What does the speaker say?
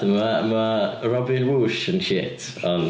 Dwi'n meddwl ma' Robin Whoosh yn shit ond.